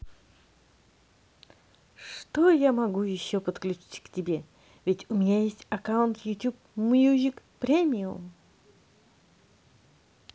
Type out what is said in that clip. что я могу еще подключить к тебе ведь у меня есть аккаунт youtube music premium